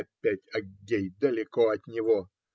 опять Аггей далеко от него.